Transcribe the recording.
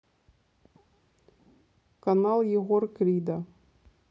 канал егор крида